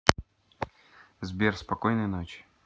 сбер спокойной ночи